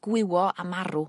gwywo a marw.